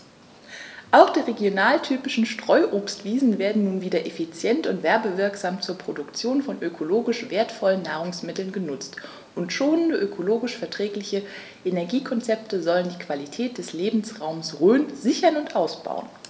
Auch die regionaltypischen Streuobstwiesen werden nun wieder effizient und werbewirksam zur Produktion von ökologisch wertvollen Nahrungsmitteln genutzt, und schonende, ökologisch verträgliche Energiekonzepte sollen die Qualität des Lebensraumes Rhön sichern und ausbauen.